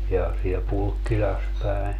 ja siellä Pulkkilassa päin